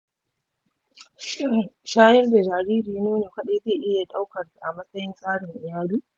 shin shayar da jariri nono kaɗai za'a iya ɗaukarsa a matsayin tsarin iyali?